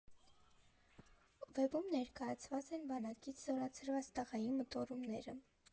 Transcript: Վեպում ներկայացված են բանակից զորացրված տղայի մտորումները։